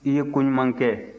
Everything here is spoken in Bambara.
i ye ko ɲuman kɛ